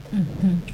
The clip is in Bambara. A